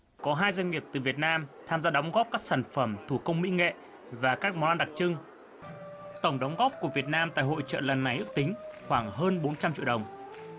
có hai doanh nghiệp từ việt nam tham gia đóng góp các sản phẩm thủ công mỹ nghệ và các món ăn đặc trưng tổng đóng góp của việt nam tại hội chợ lần này ước tính khoảng hơn bốn trăm triệu đồng